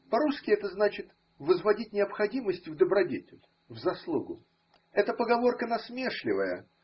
По-русски это значит: возводить необходимость в добродетель, в заслугу. Эта поговорка насмешливая.